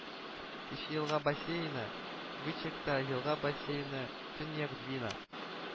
Кече елга бассейны Вычегда, елга бассейны Төньяк Двина